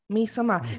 Mis yma.